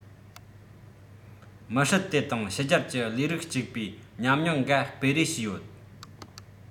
མི སྲིད དེ དང ཕྱི རྒྱལ གྱི ལས རིགས གཅིག པའི ཉམས མྱོང འགའ སྤེལ རེས བྱས ཡོད